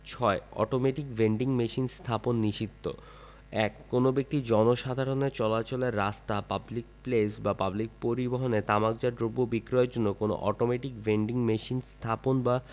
৬ automatic vending machine স্থাপন নিষিদ্ধঃ ১ কোন ব্যক্তি জনসাধারণের চলাচলের রাস্তা পাবলিক প্লেস বা পাবলিক পরিবহণে তামাকজাত দ্রব্য বিক্রয়ের জন্য কোন অটোমেটিক ভেন্ডিং মেশিন স্থাপন বা